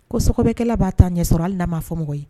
Ko sokɔbɛkɛla b'a ta ɲɛ sɔrɔ hali n'a ma fɔ mɔgɔ ye.